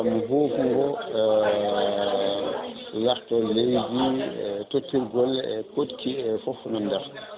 husgo yarto leydi e tottirgol e koɗki e foof nana nder